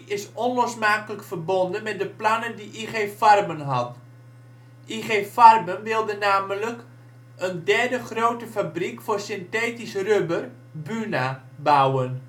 is onlosmakelijk verbonden met de plannen die IG Farben had. IG Farben wilde namelijk een derde grote fabriek voor synthetisch rubber (Buna) bouwen